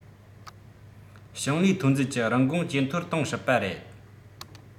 ཞིང ལས ཐོན རྫས ཀྱི རིན གོང ཇེ མཐོར གཏོང སྲིད པ རེད